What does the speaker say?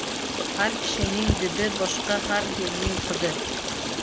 har kishining didi boshqa har gulning hidi